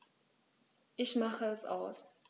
Ich mache es aus.